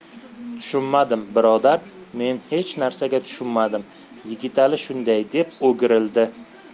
tushunmadim birodar men hech narsaga tushunmadim yigitali shunday deb o'girildi